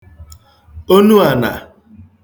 onu ànà